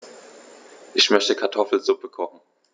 Ich möchte Kartoffelsuppe kochen.